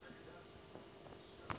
включи властелин колец